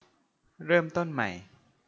เริ่มต้นใหม่